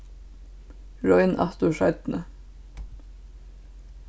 royn aftur seinni